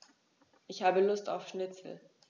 Ich habe Lust auf Schnitzel.